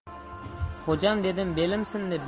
xo'jam dedim belim sindi